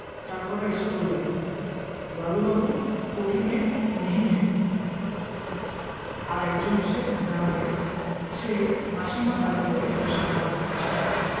চাকররা এসে বললে লালুবাবু কোঠি মে নহি হ্যায় আর একজন এসে জানালে সে মাসীমার বাড়িতে বসে খাবার খাচ্ছে